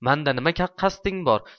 manda nima kasding bor